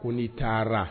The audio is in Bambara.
Ko ni taara